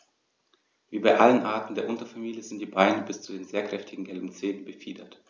Wie bei allen Arten der Unterfamilie sind die Beine bis zu den sehr kräftigen gelben Zehen befiedert.